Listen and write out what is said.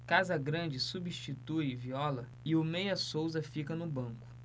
casagrande substitui viola e o meia souza fica no banco